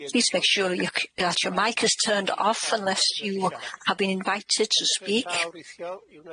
Please make sure c- that your mic is turned off unless you have been invited to speak.